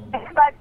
Nba